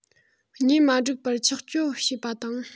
གཉེན མ བསྒྲིགས པར ཆགས སྤྱོད བྱེད པ དང